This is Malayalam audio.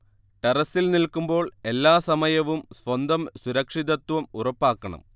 ടെറസ്സിൽ നിൽക്കുമ്പോൾ എല്ലാ സമയവും സ്വന്തം സുരക്ഷിതത്വം ഉറപ്പാക്കണം